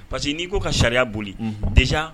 Parce que n'i ko ka sariya boli de